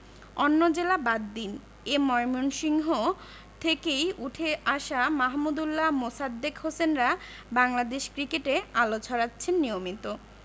অন্য জেলা বাদ দিন এ ময়মনসিংহ থেকেই উঠে আসা মাহমুদউল্লাহ মোসাদ্দেক হোসেনরা বাংলাদেশ ক্রিকেটে আলো ছড়াচ্ছেন নিয়মিত